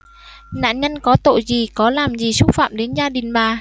nạn nhân có tội gì có làm gì xúc phạm đến gia đình bà